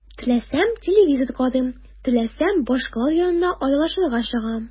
Теләсәм – телевизор карыйм, теләсәм – башкалар янына аралашырга чыгам.